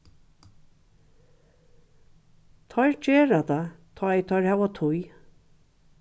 teir gera tað tá ið teir hava tíð